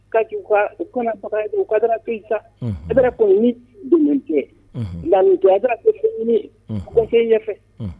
Ka u u ka pesa bɛ ni tɛ nkani cɛ da fɛn ka ɲɛfɛ